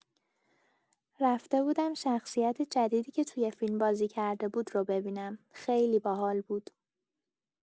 رفته بودم شخصیت جدیدی که توی فیلم بازی کرده بود رو ببینم، خیلی باحال بود!